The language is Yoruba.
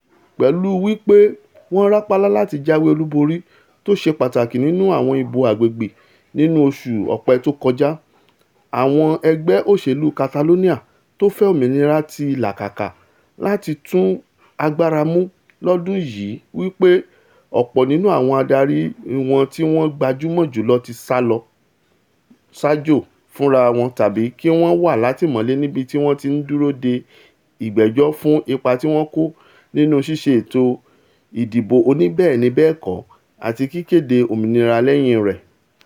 Pẹ̀lú wí pé wọ́n rápálá láti jáwé olúborí tóṣe pàtakì nínú àwọn ìbò agbègbè̀̀ nínú oṣù Ọpẹ́ tó kọjá, àwọn ẹgbẹ́ òṣèlú Catalonia tófẹ́ òmìnira ti làkàkà láti tún di agbára mú lọ́dún yìí p̀ẹlú wí pé ọ̀pọ̀ nínú àwọn adarí wọn tí wọ́n gbajúmọ̀ jùlọ ti sálọ lọ sájò fúnrawọn tàbí kí wọ́n wà látìmọ́lé nibiti wọn tí ń dúró dé ìgbẹ́jọ́ fún ipa ti wọ́n kó nínú ṣíṣe ètò ìdìbò oníbẹ́ẹ̀ni-bẹ́ẹ̀kọ́ àti kíkéde òmìnira lẹ́yìn rẹ̀.